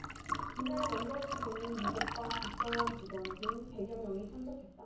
이날 영결식에는 유족과 국정원 직원 등 백 여 명이 참석했다